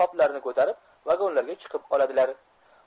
qoplarini ko'tarib vagonlarga chiqib oladilar